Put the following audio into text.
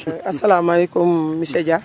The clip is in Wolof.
asalaamaaleykum monsieur Dia